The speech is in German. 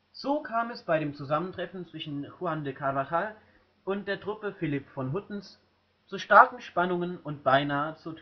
So kam es bei dem Zusammentreffen zwischen Juan de Carvajal und der Truppe Philipp von Huttens zu starken Spannungen und beinahe zur